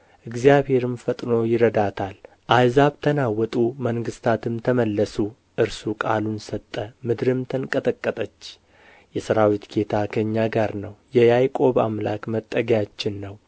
እግዚአብሔርም ፈጥኖ ይረዳታል አሕዛብ ተናወጡ መንግሥታትም ተመለሱ እርሱ ቃሉን ሰጠ ምድርም ተንቀጠቀጠች የሠራዊት ጌታ ከእኛ ጋር ነው የያዕቆብ አምላክ መጠጊያችን ነው